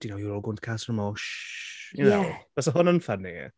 You know? "You're all going to Casa Amor. Shhhh." You know?... Ie! ...Fyse hwnna'n ffyni.